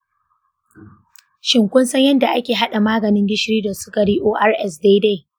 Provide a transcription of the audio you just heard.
shin kun san yadda ake hada maganin gishiri da sukari ors daidai?